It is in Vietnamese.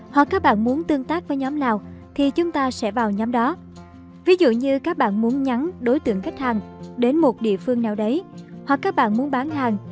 hoặc các bạn muốn tương tác với nhóm nào thì chúng ta sẽ vào nhóm đó ví dụ như các bạn muốn nhắn đối tượng khách hàng đến địa phương nào đấy hoặc các bạn muốn bán hàng